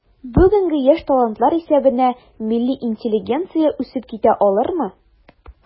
Бүгенге яшь талантлар исәбенә милли интеллигенция үсеп китә алырмы?